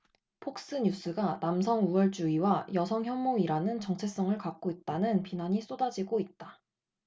폭스뉴스가 남성우월주의와 여성혐오이라는 정체성을 갖고 있다는 비난이 쏟아지고 있다